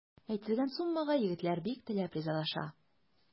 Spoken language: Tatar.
Әйтелгән суммага егетләр бик теләп ризалаша.